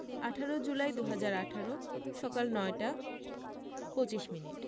১৮ July ২০১৮ সকাল ৯টা ২৫ minute